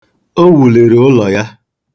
O wuliri ụlọ ya.